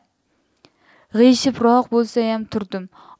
g'ingshibroq bo'lsayam turdim